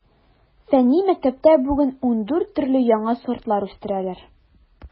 Фәнни мәктәптә бүген ундүрт төрле яңа сортлар үстерәләр.